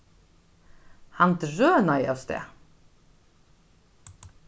hann drønaði avstað